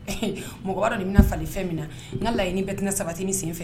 Mɔgɔ dɔ de bɛna falenli fɛn min na n laɲini ni bɛ tɛna sabati ni sen fɛ